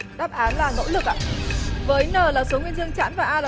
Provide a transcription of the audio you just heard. đáp án là nỗ lực ạ với nờ là số nguyên dương chẵn và a